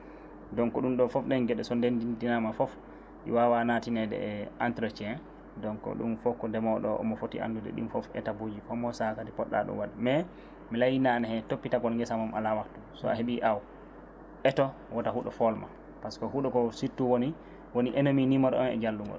donc ɗm ɗo foof so ɗen geeɗe denndi dinama foof wawa naatinede e entretien donc ɗum foof ndemoɗo o omo footi anndude ɗin foof étape uju hommo saaha kadi poɗɗa ɗum waad mais mi laayi naane toppitagol geesa mom ala wattu sa heeɓi aaw eto woto huuɗo folma par ce que huuɗo ko surtout woni woni ennemi numéro 1 e jallugol